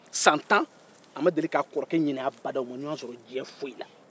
san tan a deli k'a kɔrɔkɛ ɲinin abada u ma ɲɔgɔn sɔrɔ diɲɛn foyi la